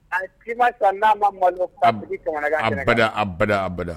A s ma sa n'a ma malo k'a sigi kamanagwan kɛnɛ kan a bada a bada a bada.